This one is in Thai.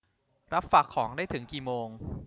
รับฝากของได้ถึงกี่โมง